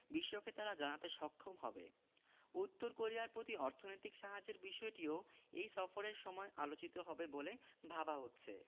বিশ্বকে তারা জানাতে সক্ষম হবে উত্তর কোরিয়ার প্রতি অর্থনৈতিক সাহায্যের বিষয়টিও এই সফরের সময় আলোচিত হবে বলে ভাবা হচ্ছে